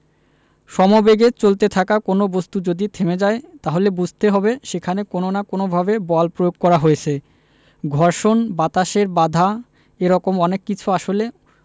সমবেগে চলতে থাকা কোনো বস্তু যদি থেমে যায় তাহলে বুঝতে হবে সেখানে কোনো না কোনোভাবে বল প্রয়োগ করা হয়েছে ঘর্ষণ বাতাসের বাধা এ রকম অনেক কিছু আসলে